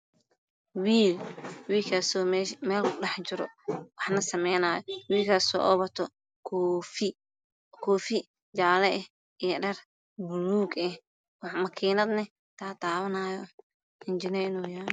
Waa wiil meel kudhex jiro oo wax sameynaayo waxuu wataa koofi jaale ah iyo dhar buluug ah makiinad rinjiyaynaayo.